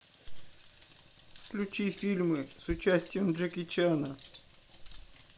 включи фильмы с участием джеки чана